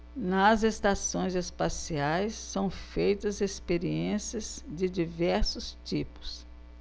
nas estações espaciais são feitas experiências de diversos tipos